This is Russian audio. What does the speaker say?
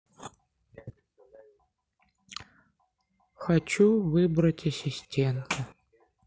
хочу выбрать ассистента